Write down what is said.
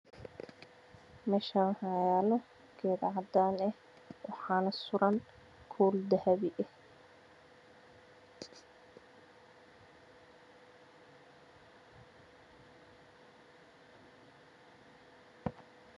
Meeshaan waxaa yaalo caag cadaan ah waxaana suran kuul dahabi ah.